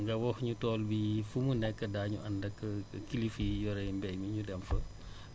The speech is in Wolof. nga wax ñu tool bi fu mu nekk daañu ànd ak kilifa yi yore mbay mi ñu dem fa